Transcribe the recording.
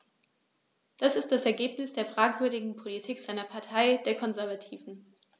Das ist das Ergebnis der fragwürdigen Politik seiner Partei, der Konservativen.